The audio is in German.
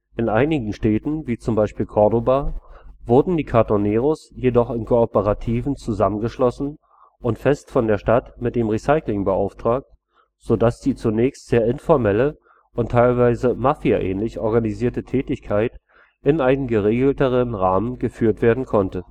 in einigen Städten wie zum Beispiel in Córdoba wurden die Cartoneros jedoch in Kooperativen zusammengeschlossen und fest von der Stadt mit dem Recycling beauftragt, so dass die zunächst sehr informelle und teilweise mafiaähnlich organisierte Tätigkeit in einen geregelteren Rahmen geführt werden konnte